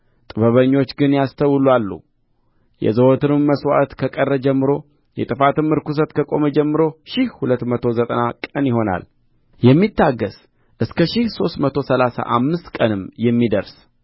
ጥበበኞች ግን ያስተውላሉ የዘወትሩም መሥዋዕት ከቀረ ጀምሮ የጥፋትም ርኵሰት ከቆመ ጀምሮ ሺህ ሁለት መቶ ዘጠና ቀን ይሆናል የሚታገሥ እስከ ሺህ ሦስት መቶ ሠላሳ አምስት ቀንም የሚደርስ